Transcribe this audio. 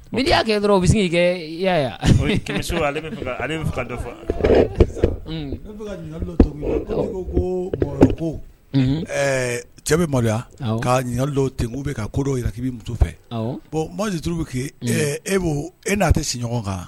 N' y'a kɛ dɔrɔn u bɛ sigi kɛ y'a kobo cɛ maloya kali dɔ bɛ ka kodo k'i bɛ muso fɛ bɔn maauru bɛ kɛ e' e n'a tɛ si ɲɔgɔn kan